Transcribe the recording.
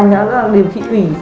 thì cái răng đã điều trị tủy